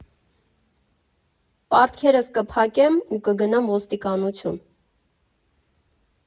Պարտքերս կփակեմ ու կգնամ ոստիկանություն։